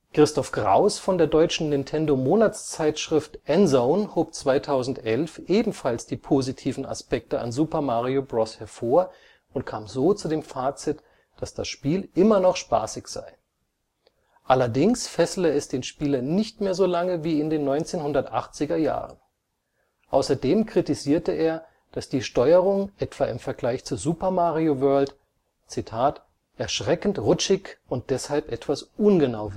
Christoph Kraus von der deutschen Nintendo-Monatszeitschrift N-Zone hob 2011 ebenfalls die positiven Aspekte an Super Mario Bros. hervor und kam so zu dem Fazit, dass das Spiel immer noch spaßig sei. Allerdings fessele es den Spieler nicht mehr so lange wie in den 1980er Jahren. Außerdem kritisierte er, dass die Steuerung etwa im Vergleich zu Super Mario World (SNES, 1990) „ erschreckend rutschig und deshalb etwas ungenau